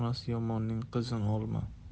onasi yomonning qizini olma